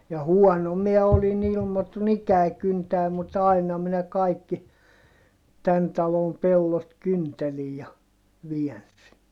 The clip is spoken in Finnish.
ja huono minä olin ilmotun ikäni kyntämään mutta aina minä kaikki tämän talon pellot kyntelin ja väänsin